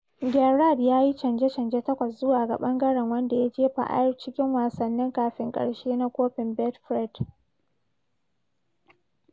Gerrard ya yi canje-canje takwas zuwa ga ɓangaren wanda ya jefa Ayr cikin wasannin kafin ƙarshe na Kofin Betfred.